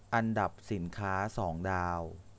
อันดับสินค้าสองดาว